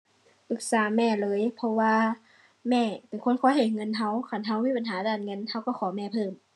ปรึกษาแม่เลยเพราะว่า แม่เป็นคนคอยให้เงินเรา คันเรามีปัญหาด้านเงิน เราก็ขอแม่เพิ่ม